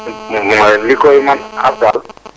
ak mooy li koy mën aar daal